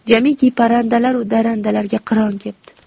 jamiki parrandalaru darrandalarga qiron kepti